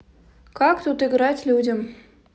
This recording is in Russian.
как тут играть людям